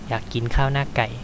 อยากกินข้าวหน้าไก่